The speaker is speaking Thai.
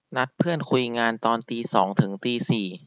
นัดเพื่อนคุยงานตอนตีสองถึงตีสี่